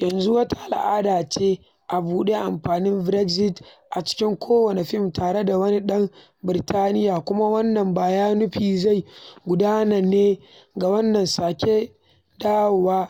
Yanzu wata al'ada ce a duba amfanin Brexit a cikin kowane fim tare da wani ɗan Birtaniyya kuma wannan ba ya nufi zai gudana ne ga wannan sake dawo